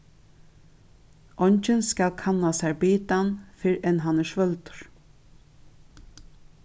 eingin skal kanna sær bitan fyrr enn hann er svølgdur